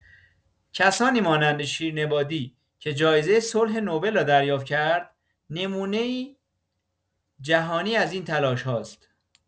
کسانی مانند شیرین عبادی که جایزه صلح نوبل را دریافت کرد، نمونه‌ای جهانی از این تلاش‌هاست.